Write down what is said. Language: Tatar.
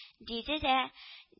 — диде дә